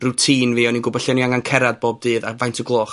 routine fi, o'n i'n gwbo lle o'n i angan cyrradd bob dydd a faint o'r gloch